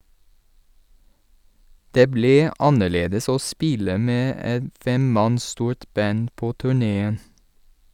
- Det blir annerledes å spille med et femmanns stort band på turneén.